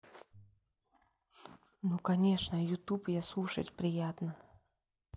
ну конечно youtube я слушать приятно